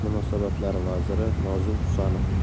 munosabatlari vaziri nozim husanov